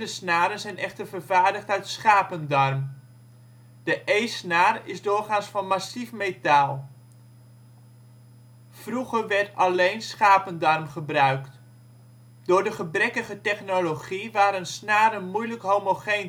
snaren zijn echter vervaardigd uit schapendarm. De E-snaar is doorgaans van massief metaal. Vroeger werd alleen schapendarm gebruikt. Door de gebrekkige technologie waren snaren moeilijk homogeen